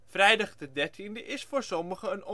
Vrijdag de dertiende is voor sommigen